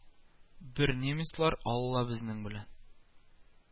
Бер немецлар, алла безнең белән